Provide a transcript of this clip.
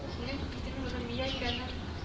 Синең исемең румия икәнен